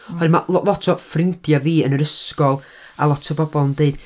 Oherwydd ma' lo- lot o ffrindiau fi yn yr ysgol, a lot o bobl yn deud...